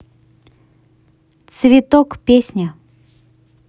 цветок песня